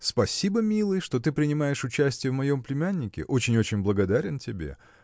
Спасибо, милый, что ты принимаешь участие в моем племяннике очень, очень благодарен тебе.